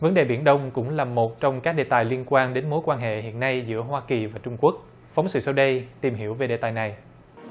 vấn đề biển đông cũng là một trong các đề tài liên quan đến mối quan hệ hiện nay giữa hoa kỳ và trung quốc phóng sự sau đây tìm hiểu về đề tài này